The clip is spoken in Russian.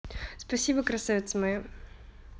спасибо красавица моя